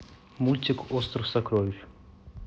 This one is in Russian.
мультик остров сокровищ